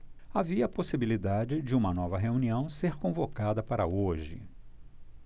havia possibilidade de uma nova reunião ser convocada para hoje